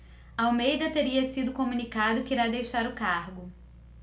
almeida teria sido comunicado que irá deixar o cargo